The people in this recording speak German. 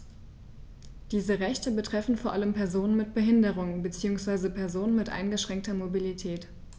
Diese Rechte betreffen vor allem Personen mit Behinderung beziehungsweise Personen mit eingeschränkter Mobilität.